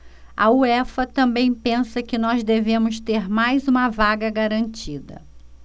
a uefa também pensa que nós devemos ter mais uma vaga garantida